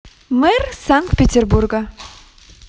мэр санкт петербурга